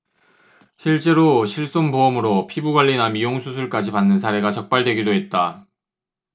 실제로 실손보험으로 피부관리나 미용 수술까지 받는 사례가 적발되기도 했다